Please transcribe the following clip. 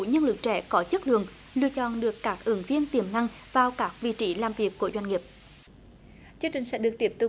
nhân lực trẻ có chất lượng lựa chọn được các ứng viên tiềm năng sao các vị trí làm việc của doanh nghiệp chương trình sẽ